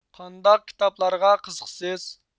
قانداق كىتابلارغا قىزىقسىز